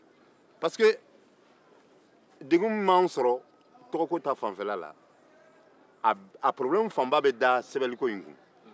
degun min b'anw sɔrɔ tɔgɔko ta fanfɛla la a fanba bɛ sɛbɛnniko kun